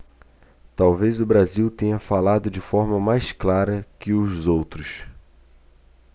talvez o brasil tenha falado de forma mais clara que os outros